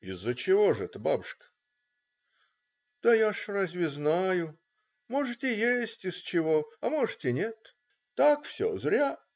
- "Из-за чего ж это, бабушка?" "Да я ж разве знаю, может, и есть из чего, а может, и нет так все, зря".